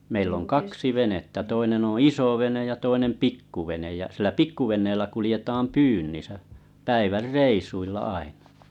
meillä on kaksi venettä toinen on isovene ja toinen pikkuvene ja sillä pikkuveneellä kuljetaan pyynnissä päivän reissuilla aina